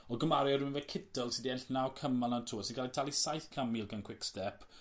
o gymaru â rywun fel Kittel sy 'di ennill naw cymal mewn tour sy ga'l 'i talu saith can mil gan Quickstep.